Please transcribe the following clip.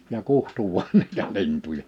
ja kutsui vain niitä lintuja